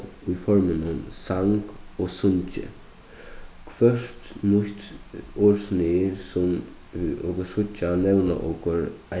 í forminum sang og sungið hvørt nýtt orðsnið sum okur síggja nevna okur